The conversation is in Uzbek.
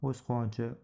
o'z quvonchi